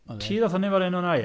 Ti ddaeth fyny efo'r enw yna, ie?